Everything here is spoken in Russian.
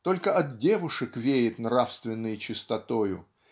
Только от девушек веет нравственною чистотою